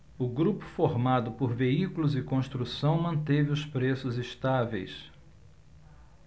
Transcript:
o grupo formado por veículos e construção manteve os preços estáveis